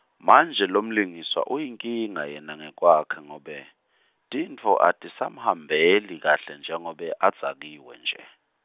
manje lomlingiswa uyinkinga yena ngekwakhe ngobe, tintfo atisamhambeli kahle njengobe adzakiwe nje.